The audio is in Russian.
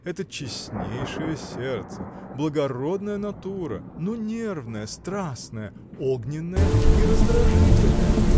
это честнейшее сердце, благородная натура, но нервная, страстная, огненная и раздражительная!